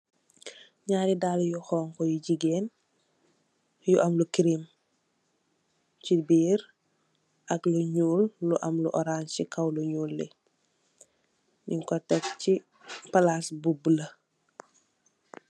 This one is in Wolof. Narri dale yu xongo yu jigeen yu ham wert ci birr ak nool lu ham lo oxrange ci kaw lu nool li niko teh ci palas bu bule.